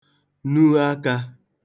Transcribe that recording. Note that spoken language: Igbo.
nu akā